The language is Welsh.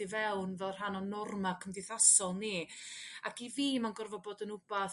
fewn fel rhan o norma' cymddeithasol ni ac i fi ma'n gorfo' bod yn 'wbath